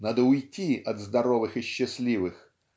надо уйти от здоровых и счастливых